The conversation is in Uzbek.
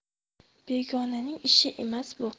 begonaning ishi emas bu